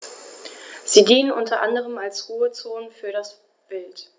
Sie dienen unter anderem als Ruhezonen für das Wild.